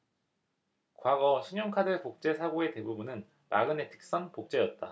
과거 신용카드 복제 사고의 대부분은 마그네틱선 복제였다